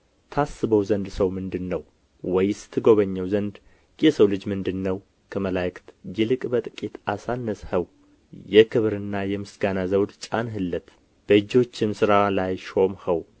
ታስበው ዘንድ ሰው ምንድር ነው ወይስ ትጎበኘው ዘንድ የሰው ልጅ ምንድር ነው ከመላእክት ይልቅ በጥቂት አሳነስኸው የክብርና የምስጋና ዘውድ ጫንህለት በእጆችህም ሥራ ላይ ሾምኸው